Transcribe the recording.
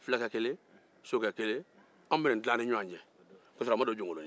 fulakɛ kelen sokɛ kelen anw bɛ ni tila an ni ɲɔgɔn cɛ k'a sɔrɔ a ma don jɔnkolonin